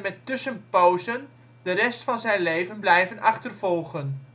met tussenpozen de rest van zijn leven blijven achtervolgen.